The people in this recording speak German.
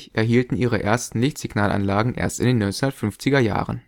erhielten ihre ersten Lichtsignalanlagen erst in den 1950er Jahren